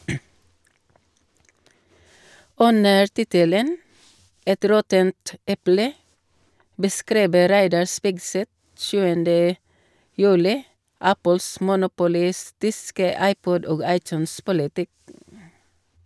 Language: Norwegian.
Under tittelen «Et råttent eple» beskriver Reidar Spigseth 7. juli Apples monopolistiske iPod- og iTunes-politikk.